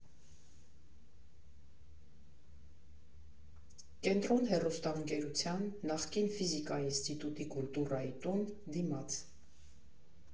«Կենտրոն» հեռուստաընկերության (նախկին Ֆիզիկայի ինստիտուտի «Կուլտուրայի տուն») դիմաց։